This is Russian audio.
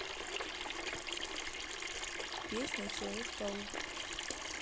песня человек паук